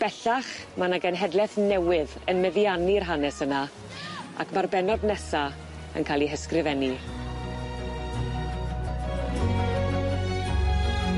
Bellach ma' 'na genhedleth newydd yn meddiannu'r hanes yna ac ma'r bennod nesa yn ca'l 'i hysgrifennu.